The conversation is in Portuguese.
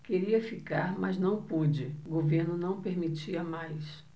queria ficar mas não pude o governo não permitia mais